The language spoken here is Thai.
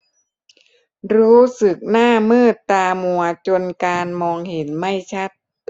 รู้สึกหน้ามืดตามัวจนการมองเห็นไม่ชัด